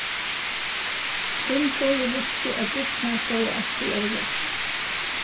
finnbogi visti at dyrnar stóðu altíð ólæstar